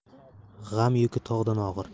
g'am yuki tog'dan og'ir